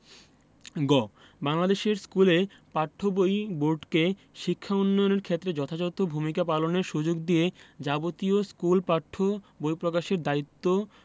গ বাংলাদেশের স্কুলে পাঠ্য বই বোর্ডকে শিক্ষা উন্নয়নের ক্ষেত্রে যথাযথ ভূমিকা পালনের সুযোগ দিয়ে যাবতীয় স্কুল পাঠ্য বই প্রকাশের দায়িত্ব